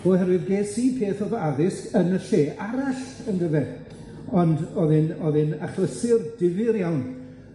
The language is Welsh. Oherwydd ges i peth o fy addysg yn y lle arall yndyfe, ond o'dd e'n o'dd e'n achlysur difyr iawn,